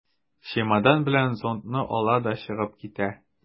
Чемодан белән зонтны ала да чыгып китә.